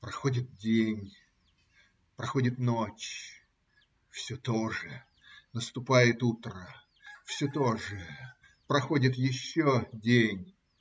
Проходит день, проходит ночь. Все то же. Наступает утро. Все то же. Проходит еще день.